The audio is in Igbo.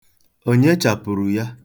Onye chapuru ya?